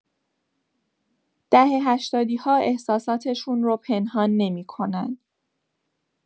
دهه‌هشتادی‌ها احساساتشون رو پنهان نمی‌کنن.